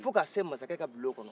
fo ka se masakɛ ka bulon kɔnɔ